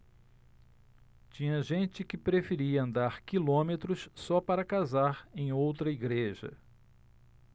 tinha gente que preferia andar quilômetros só para casar em outra igreja